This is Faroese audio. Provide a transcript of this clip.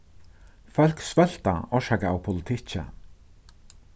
fólk svølta orsakað av politikki